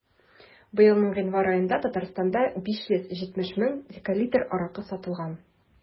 Быелның гыйнвар аенда Татарстанда 570 мең декалитр аракы сатылган.